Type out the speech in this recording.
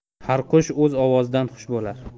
har qush o'z ovozidan xush bo'lar